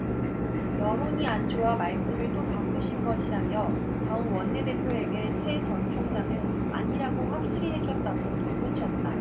여론이 안 좋아 말씀을 또 바꾸신 것이라며 정 원내대표에게 채 전 총장은 아니라고 확실히 해줬다고 덧붙였다